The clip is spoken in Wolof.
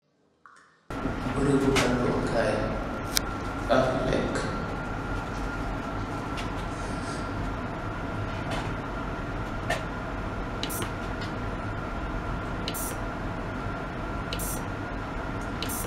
Berembo dalu kai ak leka.